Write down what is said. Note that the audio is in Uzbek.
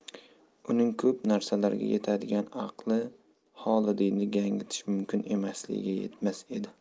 uning ko'p narsalarga yetadigan aqli xolidiyni gangitish mumkin emasligiga yetmas edi